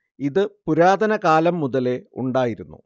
ഇത് പുരാതന കാലം മുതലേ ഉണ്ടായിരുന്നു